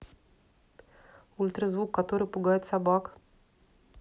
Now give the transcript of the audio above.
ультразвук который пугает собак